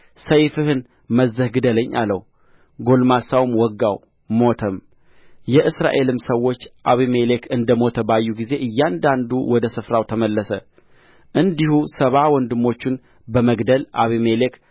ሰይፍህን መዝዘህ ግደለኝ አለው ጕልማሳውም ወጋው ሞተም የእስራኤልም ሰዎች አቤሜሌክ እንደ ሞተ ባዩ ጊዜ እያንዳንዱ ወደ ስፍራው ተመለሰ እንዲሁ ሰባ ወንድሞቹን በመግደል አቤሜሌክ